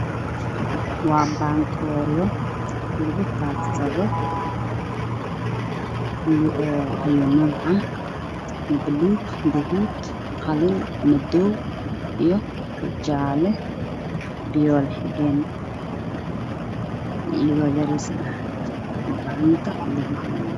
Waa meel ay yaalaan bakoorado fara badan oo iskugu jira caddaan guduud iyo madow